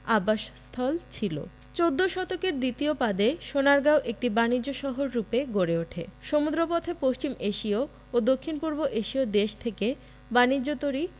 আবাসস্থল ছিল চৌদ্দ শতকের দ্বিতীয় পাদে সোনারগাঁও একটি বাণিজ্যশহররূপে গড়ে ওঠে সমুদ্রপথে পশ্চিম এশীয় ও দক্ষিণপূর্ব এশীয় দেশ থেকে বাণিজ্য তরী